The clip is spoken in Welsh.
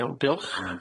Iawn diolch.